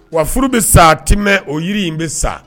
Wa furu bɛ sa temɛ o yiri in bɛ sa